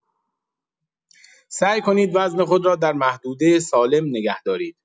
سعی کنید وزن خود را در محدوده سالم نگه دارید.